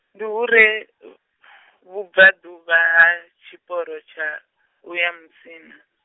ndi hu re , vhubvaḓuvha ha, tshiporo tsha, u ya Musina.